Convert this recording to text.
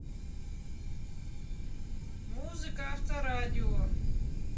музыка авторадио